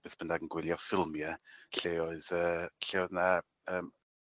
beth bynnag yn gwylio ffilmie lle oedd yy lle oedd 'na yym